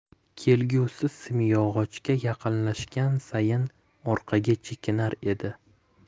kelgusi simyog'ochga yaqinlashgan sayin orqaga chekinar edi